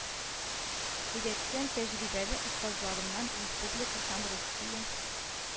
Өйрәткән тәҗрибәле остазларымнан, республика һәм русия